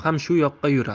ham shu yoqqa yurar